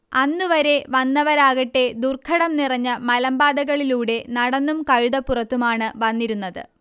അന്നുവരെ വന്നവരാകട്ടേ ദുർഘടം നിറഞ്ഞ മലമ്പാതകളിലൂടെ നടന്നും കഴുതപ്പുറത്തുമാണ് വന്നിരുന്നത്